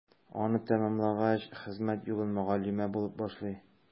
Аны тәмамлагач, хезмәт юлын мөгаллимә булып башлый.